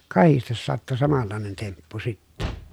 ja kahdesti sattui samanlainen temppu sitten